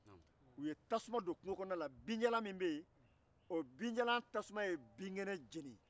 u ye tauma don kunga la binjalan tasuma ye binkɛnɛ jeni